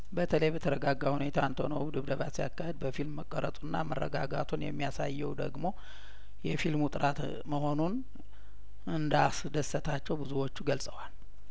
በተለይ በተረጋጋ ሁኔታ አንቶኖቩ ድብደባ ሲያካሂድ በፊልም መቀረጹና መረጋጋቱን የሚያሳየው ደግሞ የፊልሙ ጥራት መሆኑን እንዳስ ደሰታቸው ብዙዎቹ ገልጸዋል